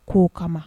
Ko kama